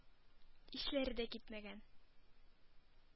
Исләре дә китмәгән.